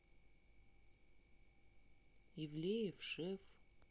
ивлев шеф